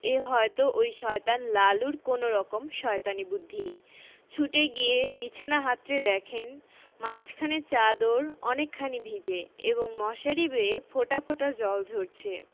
এ হয়ত ঐ শয়তান লালুর কোনরকম শয়তানি বুদ্ধি ছুটে গিয়ে বিছানা হাতড়ে দেখেন মাঝখানে চাদর অনেকখানি ভিজে এবং মশারি বেয়ে ফোঁটা ফোঁটা জল ঝরছে